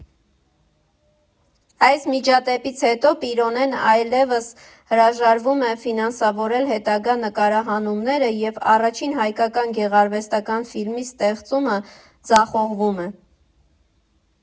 Այս միջադեպից հետո Պիրոնեն այլևս հրաժարվում է ֆինանսավորել հետագա նկարահանումները և առաջին հայկական գեղարվեստական ֆիլմի ստեղծումը ձախողվում է։